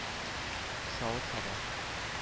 Савыт-саба